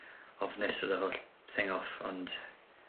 ofnus odd y holl thing off ond